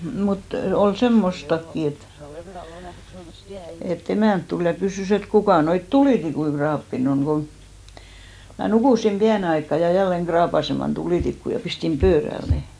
mutta oli semmoistakin että että emäntä tuli ja kysyi että kuka noita tulitikkuja raapinut on kun minä nukuin pienen aikaa ja jälleen raapaisemaan tulitikkua ja pistin pöydälle ne